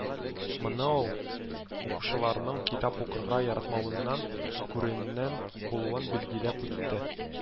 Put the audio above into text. Моны ул укучыларның китап укырга яратмавыннан күрүеннән булуын билгеләп үтте.